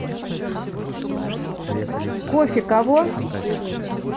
кофе кого